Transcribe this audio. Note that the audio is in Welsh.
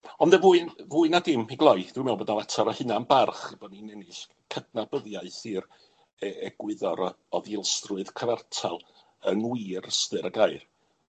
Ond y fwy n- fwy na dim i gloi, dwi'n meddwl bod o fatar o hunan barch bod ni'n ennill cydnabyddiaeth i'r e- egwyddor o o ddilysrwydd cyfartal yng ngwir ystyr y gair.